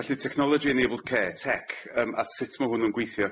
Felly technology enabled care, tech yym a sut ma' hwnnw'n gweithio?